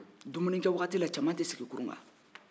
dumuni kɛ waati la cɛman tɛ sigi kurun kan